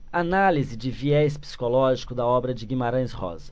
análise de viés psicológico da obra de guimarães rosa